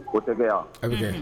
O tɛ bɛ yan